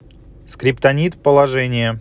скриптонит положение